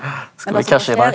skal vi cashe inn her.